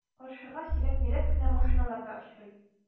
Каршыга сирәк-мирәк кенә машиналар да очрый.